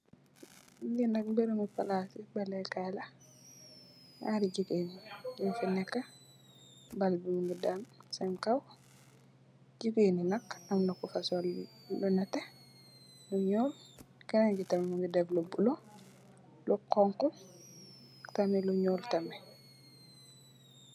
Li Mbèreèm mu palaas su balèkaay la. Naari jigéen nung fi nekka ball bi mungi dal senn kaw. Jigéen yi nak amna Ku fa sol lu nètè , lu ñuul kenn ki tamit mungi deff bulo, lu honku ak tamit, lu ñuul tamit.